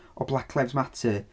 O Black Lives Matter...